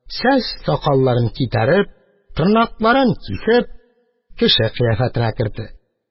Чәч-сакалларын китәреп, тырнакларын кисеп, кеше кыяфәтенә керде.